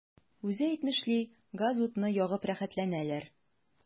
Үзе әйтмешли, газ-утны ягып “рәхәтләнәләр”.